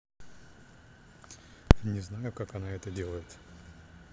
не знаю как она это делает